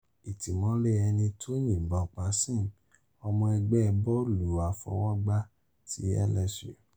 Ìtìmọ́lé ẹni tó yìnbọn pa Sims, ọmọ ẹgbẹ́ bọ́ọ̀lù àfọwọ́gbá ti LSU